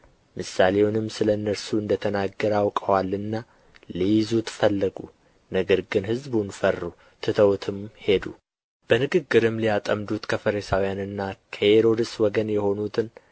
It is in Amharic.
ምሳሌውንም ስለ እነርሱ እንደ ተናገረ አውቀዋልና ሊይዙት ፈለጉ ነገር ግን ሕዝቡን ፈሩ ትተውትም ሄዱ በንግግርም ሊያጠምዱት ከፈሪሳውያንና ከሄሮድስ ወገን የሆኑትን